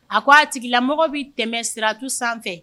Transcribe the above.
A ko a tigila mɔgɔ bi tɛmɛ siratu sanfɛ